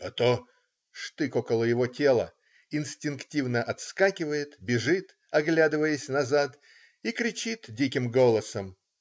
а то!"-штык около его тела,-инстинктивно отскакивает, бежит, оглядываясь назад, и кричит диким голосом.